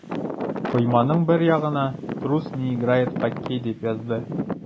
Койманың бер ягына «Трус не играет в хоккей» дип языгыз.